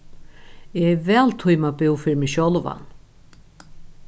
eg hevði væl tímað at búð fyri meg sjálvan